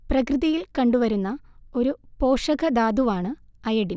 പ്രകൃതിയിൽ കണ്ടു വരുന്ന ഒരു പോഷകധാതുവാണ് അയഡിൻ